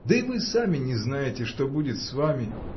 Да и вы сами не знаете, что будет с вами.